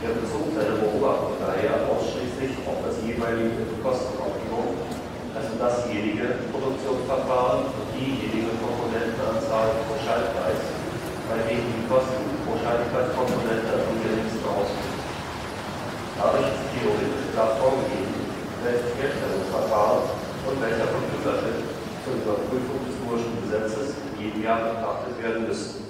bezog seine Beobachtung daher ausschließlich auf das jeweilige Kostenoptimum, also dasjenige Produktionsverfahren und diejenige Komponentenanzahl pro Schaltkreis, bei denen die Kosten pro Schaltkreiskomponente am geringsten ausfielen. Dadurch ist theoretisch klar vorgegeben, welches Herstellungsverfahren und welcher Computerchip zur Überprüfung des mooreschen Gesetzes in jedem Jahr betrachtet werden müssten